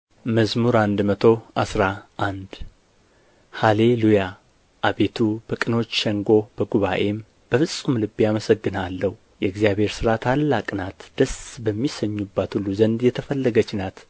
መዝሙር መቶ አስራ አንድ ሃሌ ሉያ አቤቱ በቅኖች ሸንጎ በጉባኤም በፍጹም ልቤ አመሰግንሃለሁ የእግዚአብሔር ሥራ ታላቅ ናት ደስ በሚሰኙባት ሁሉ ዘንድ የተፈለገች ናት